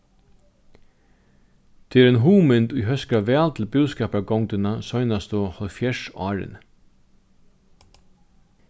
tað er ein hugmynd ið hóskar væl til búskapargongdina seinastu hálvfjerðs árini